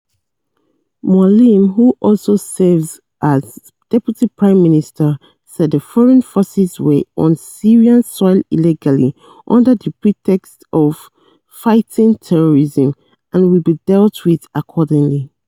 Moualem, who also serves as deputy prime minister, said the foreign forces were on Syrian soil illegally, under the pretext of fighting terrorism, and "will be dealt with accordingly."